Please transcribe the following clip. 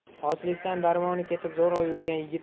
ochlikdan darmoni ketib zo'rg'a yurgan yigit